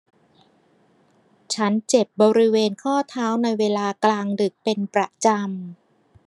ฉันเจ็บบริเวณข้อเท้าในเวลากลางดึกเป็นประจำ